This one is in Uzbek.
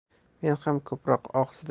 men ham ko'proq og'zida